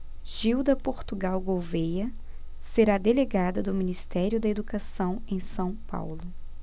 gilda portugal gouvêa será delegada do ministério da educação em são paulo